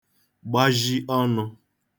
gbazhi ọnụ̄